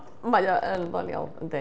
Mae o yn ddoniol, yndi.